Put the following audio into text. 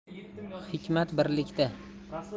hikmat birlikda